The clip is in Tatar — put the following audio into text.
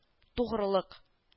Угрылык